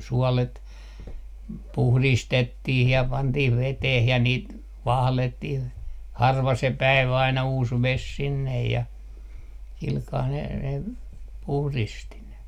suolet puhdistettiin ja pantiin veteen ja niitä valettiin harva se päivä aina uusi vesi sinne ja sillä kalella ne ne puhdisti ne